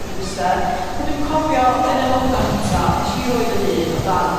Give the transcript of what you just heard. o bwyse. Pan dwi'n cofio, yn y lockdown cynta, nesh i roi fy hun o dan